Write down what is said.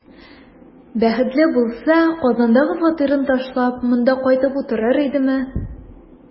Бәхетле булса, Казандагы фатирын ташлап, монда кайтып утырыр идеме?